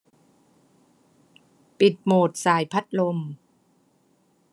ปิดโหมดส่ายพัดลม